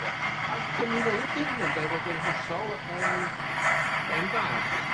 Ia. Ag gewn ni ddeud hyn ynde bod yn hollol yym ben bach